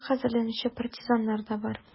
Сугышка хәзерләнүче партизаннар да бар: